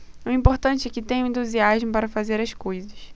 o importante é que tenho entusiasmo para fazer as coisas